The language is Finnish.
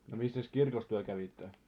no missäs kirkossa te kävitte